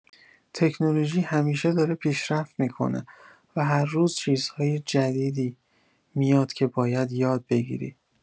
تکنولوژی همیشه داره پیشرفت می‌کنه و هر روز چیزهای جدیدی میاد که باید یاد بگیری.